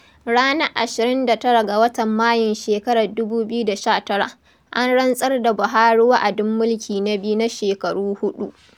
Ranar 29 ga watan Mayun shekarar 2019, an rantsar da Buhari wa'adin mulki na biyu na shekaru huɗu.